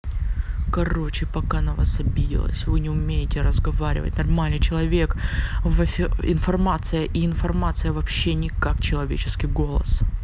короче пока на вас обиделась вы не умеете разговаривать нормальный человек в информация и информация вообще не как человеческий голос